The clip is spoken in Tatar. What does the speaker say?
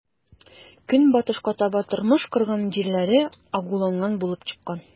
Көнбатышка таба тормыш корган җирләре агуланган булып чыккан.